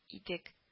Идек